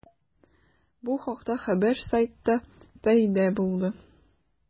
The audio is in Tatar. Бу хакта хәбәр сайтта пәйда булды.